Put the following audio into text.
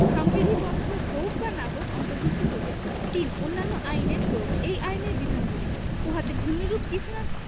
সংবিধিবদ্ধ হউক বা না হউক অন্তর্ভুক্ত হইবে ৩ অন্যান্য আইনের প্রয়োগঃ এই আইনের বিধানবলী উহাতে ভিন্নরূপ কিছু না